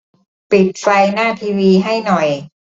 ปิดไฟหน้าทีวีให้หน่อย